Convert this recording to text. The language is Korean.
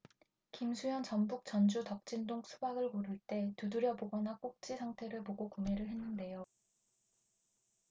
김수현 전북 전주 덕진동 수박을 고를 때 두드려보거나 꼭지 상태를 보고 구매를 했는데요